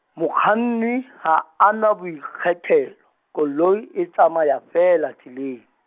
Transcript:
mokganni ha a na boikgethelo, koloi e tsamaya feela tseleng.